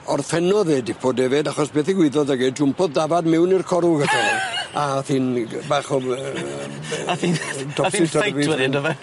orffennodd e dipo defyd achos beth ddigwyddodd ag e jwmpodd dafad mewn i'r corwgwl ato fo... ...a ath hi'n i- gy- bach o yy be'... Ath 'i'n ath 'i'n ffeit wedyn do fe?